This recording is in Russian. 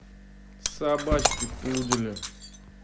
собачки пудели